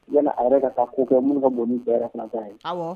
I yala a yɛrɛ ka taa ko kɛ minnu ka bon bɛɛ kana da ye